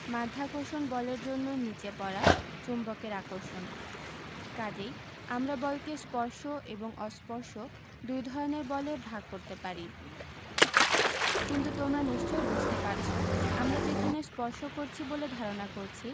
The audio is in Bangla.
মাধ্যাকর্ষণ বলের জন্য নিচে পড়া চুম্বকের আকর্ষণ কাজেই আমরা বলকে স্পর্শ এবং অস্পর্শ দুই ধরনের বলে ভাগ করতে পারি কিন্তু তোমরা নিশ্চয়ই বুঝতে পারছ আমরা যেখানে স্পর্শ করছি বলে ধারণা করছি